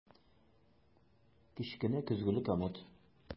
Кечкенә көзгеле комод.